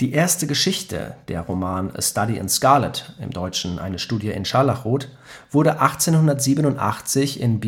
erste Geschichte, der Roman A Study in Scarlet (dt.: Eine Studie in Scharlachrot), wurde 1887 in